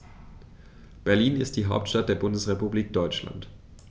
Berlin ist die Hauptstadt der Bundesrepublik Deutschland.